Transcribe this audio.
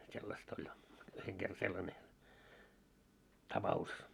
sellaista oli yhden kerran sellainen tapaus